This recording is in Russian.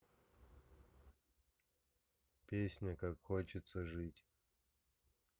песня как хочется жить